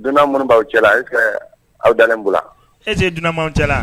Dunan minnu b'aw cɛlala e aw dalen bolo ese dunanw cɛla